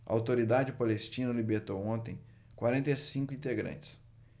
a autoridade palestina libertou ontem quarenta e cinco integrantes